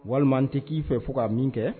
Walima tɛ k'i fɛ fɔ ka min kɛ.